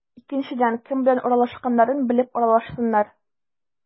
Икенчедән, кем белән аралашканнарын белеп аралашсыннар.